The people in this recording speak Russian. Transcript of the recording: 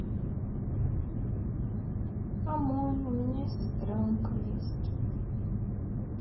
а мой у меня сестренка есть